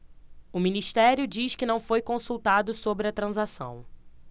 o ministério diz que não foi consultado sobre a transação